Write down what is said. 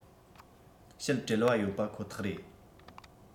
བཤད བྲེལ བ ཡོད པ ཁོ ཐག རེད